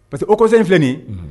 Parce que osen in filɛ nin